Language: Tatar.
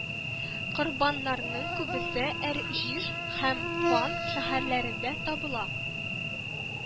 Корбаннарның күбесе Әр җиш һәм Ван шәһәрләрендә табыла